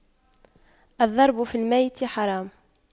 الضرب في الميت حرام